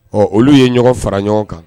Ɔ olu ye ɲɔgɔn fara ɲɔgɔn kan